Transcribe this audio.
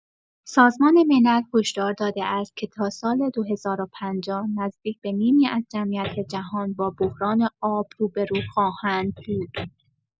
سازمان ملل هشدار داده است که تا سال ۲۰۵۰، نزدیک به نیمی از جمعیت جهان با بحران آب روبه‌رو خواهند بود.